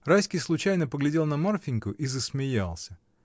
Райский случайно поглядел на Марфиньку и засмеялся.